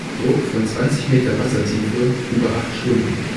Druck von 20 m Wassertiefe über acht Stunden